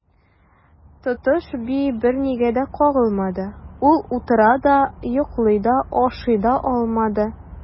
Тотыш би бернигә дә кагылмады, ул утыра да, йоклый да, ашый да алмады.